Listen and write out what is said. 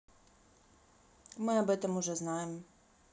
мы об этом уже знаем